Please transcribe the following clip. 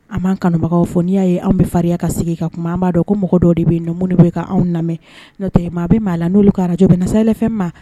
A man kanubagaw fɔ n'i y'a ye anw bɛ farinya ka sigi ka kuma an b'a dɔn ko mɔgɔ dɔ de bɛ yen nɔ minnu bɛ ka anw lamɛn n'o tɛ maa bɛ maa la n'olu ka arajo bɛnna sahel fm ma